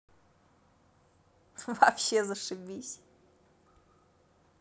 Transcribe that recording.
вообще зашибись